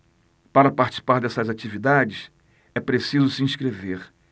para participar dessas atividades é preciso se inscrever